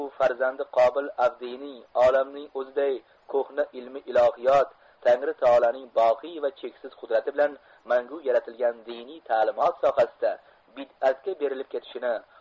u farzandi qobil avdiyning olamning o'ziday ko'hna ilmi ilohiyot tangri taoloning boqiy va cheksiz qudrati bilan mangu yaratilgan diniy talimot sohasida bidatga berilib ketishini